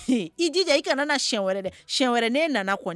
Jija i kana siyɛn wɛrɛ dɛ siyɛn wɛrɛ ne nana